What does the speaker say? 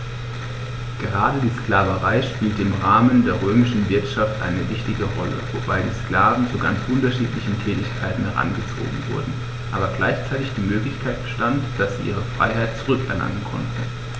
Gerade die Sklaverei spielte im Rahmen der römischen Wirtschaft eine wichtige Rolle, wobei die Sklaven zu ganz unterschiedlichen Tätigkeiten herangezogen wurden, aber gleichzeitig die Möglichkeit bestand, dass sie ihre Freiheit zurück erlangen konnten.